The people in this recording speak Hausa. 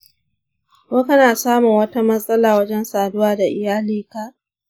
ko kana samun wata matsala wajen saduwa da iyali ka?